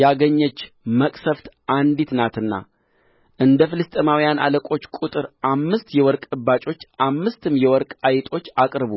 ያገኘች መቅሠፍት አንዲት ናትና እንደ ፍልስጥኤማውያን አለቆች ቍጥር አምስት የወርቅ እባጮች አምስትም የወርቅ አይጦች አቅርቡ